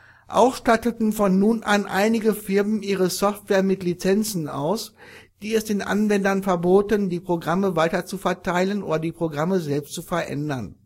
Auch statteten von nun an einige Firmen ihre Software mit Lizenzen aus, die es den Anwendern verboten, die Programme weiterzuverteilen oder die Programme selbst zu verändern